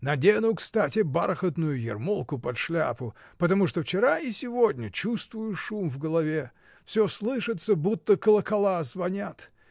Надену, кстати, бархатную ермолку под шляпу, потому что вчера и сегодня чувствую шум в голове: всё слышится, будто колокола звонят